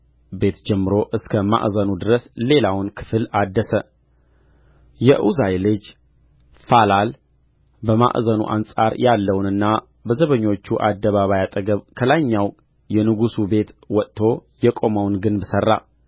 ቤት ጀምሮ እስከ ማዕዘኑ ድረስ ሌላውን ክፍል አደሰ የኡዛይ ልጅ ፋላል በማዕዘኑ አንጻር ያለውንና በዘበኞች አደባባይ አጠገብ ከላይኛው የንጉሡ ቤት ወጥቶ የቆመውን ግንብ ሠራ